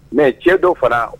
Mɛ cɛ dɔ fara